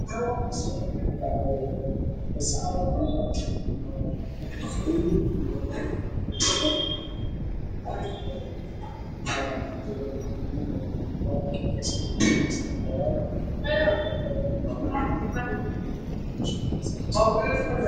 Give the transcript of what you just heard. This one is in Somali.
Meeshan waxaa iga muuqda gazacayo wax lagu haysiinayo oo galaarkoodu yahay jabuuti cagaar iyo jaalo